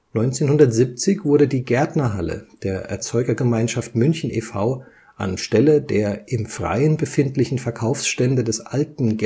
1970 wurde die Gärtnerhalle der Erzeugergemeinschaft München e.V. an Stelle der im Freien befindlichen Verkaufsstände des alten